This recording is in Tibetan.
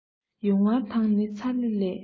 ཡུང བ དང ནི ཚ ལེ ལས